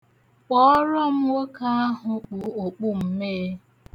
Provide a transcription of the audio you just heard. Kpọọrọ m nwoke ahụ kpụ okpu mmee.